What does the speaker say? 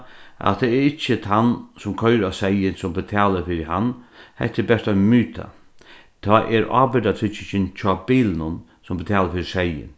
at tað er ikki tann sum koyrir á seyðin sum betalir fyri hann hetta er bert ein myta tá er ábyrgdartryggingin hjá bilinum sum betalir fyri seyðin